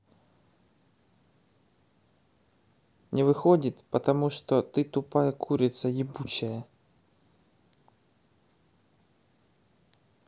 не выходит потому что ты тупая курица ебучая